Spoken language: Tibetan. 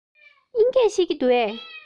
དབྱིན སྐད ཤེས ཀྱི འདུག གས